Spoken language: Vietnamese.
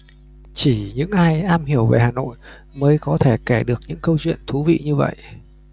chỉ những ai am hiểu về hà nội mới có thể kể được những câu chuyện thú vị như vậy